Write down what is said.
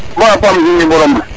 bo pam suñu boromn